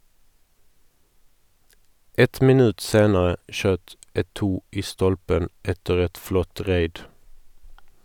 Ett minutt senere skjøt Eto'o i stolpen etter et flott raid.